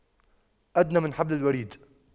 أدنى من حبل الوريد